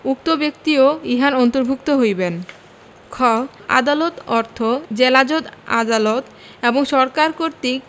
উক্ত ব্যক্তিও ইহার অন্তর্ভুক্ত হইবেন খ আদালত অর্থ জেলাজজ আদালত এবং সরকার কর্তৃক